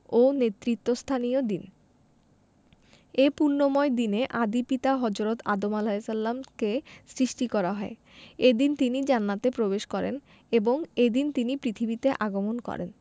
ও নেতৃত্বস্থানীয় দিন এ পুণ্যময় দিনে আদি পিতা হজরত আদম আ কে সৃষ্টি করা হয় এদিন তিনি জান্নাতে প্রবেশ করেন এবং এদিন তিনি পৃথিবীতে আগমন করেন